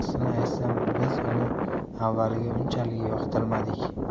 rostini aytsam biz uni avvaliga unchalik yoqtirmadik